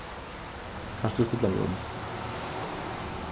kanst tú stilla meg um